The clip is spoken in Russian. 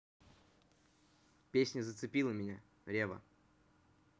песня зацепила меня ревва